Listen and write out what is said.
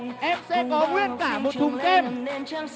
em sẽ có nguyên cả một thùng kem